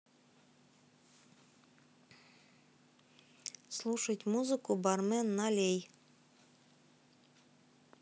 слушать музыку бармен налей